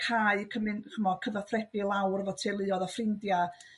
cau cymun- ch'mbo cyfathrebu lawr efo teluoedd a ffrindia'.